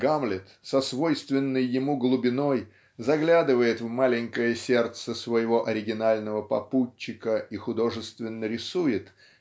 Гамлет со свойственной ему глубиной заглядывает в маленькое сердце своего оригинального попутчика и художественно рисует